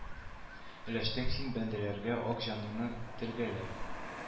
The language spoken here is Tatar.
Өләштең син бәндәләргә ак җаныңны телгәләп